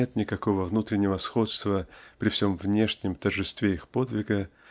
нет никакого внутреннего сходства при всем внешнем тожестве их подвига